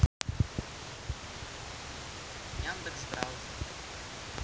яндекс браузер